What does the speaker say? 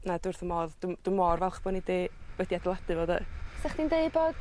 Na dw wrth fy modd dw m- dw môr falch bo' ni 'di wedi adeiladu fo 'de? 'Sech chdi'n deu bod